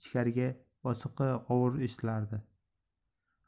ichkarigi bosinqi g'ovur eshitilar edi